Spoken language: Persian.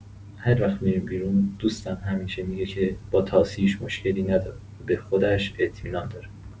هر وقت می‌ریم بیرون، دوستم همیشه می‌گه که با طاسیش مشکلی نداره و به خودش اطمینان داره.